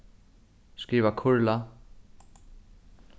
skriva kurla